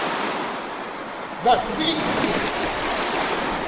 dark уберите детей